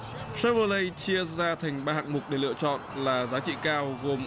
sô vô lây chia ra thành ba hạng mục để lựa chọn là giá trị cao gồm